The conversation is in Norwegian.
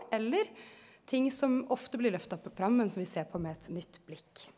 eller ting som ofte blir løfta fram men som vi ser på med eit nytt blikk.